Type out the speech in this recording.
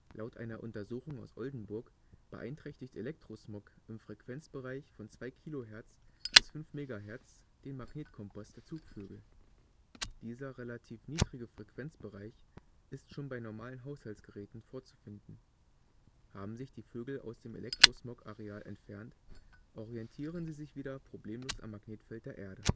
Laut einer Untersuchung aus Oldenburg beeinträchtigt Elektrosmog im Frequenzbereich von zwei Kilohertz bis fünf Megahertz den Magnetkompass der Zugvögel. Dieser relativ niedrige Frequenzbereich ist schon bei normalen Haushaltsgeräten vorzufinden. Haben sich die Vögel aus dem Elektrosmog-Areal entfernt, orientieren sie sich wieder problemlos am Magnetfeld der Erde